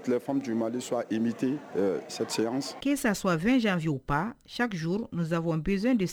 Fɛn jan sajuru nsaɔnpiz